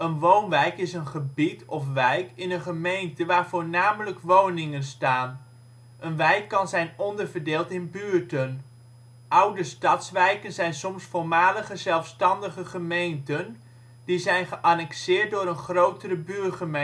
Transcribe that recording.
woonwijk is een gebied (wijk) in een gemeente waar voornamelijk woningen staan. Een wijk kan zijn onderverdeeld in buurten. Oude stadswijken zijn soms voormalige zelfstandige gemeenten, die zijn geannexeerd door een grotere buurgemeente. Een